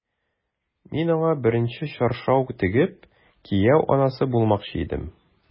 Мин аңа беренче чаршау тегеп, кияү анасы булмакчы идем...